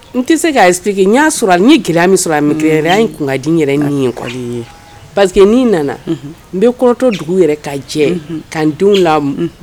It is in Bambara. N tɛ se k'a expliquer n y'a sɔrɔ ɲɛ gɛlɛya min sɔrɔ unhunn a gɛlɛya in tun kadi n yɛrɛ ni ye kodii parce que ni nana unhun n bɛ kɔrɔtɔ dugu yɛrɛ ka jɛ kan n denw la m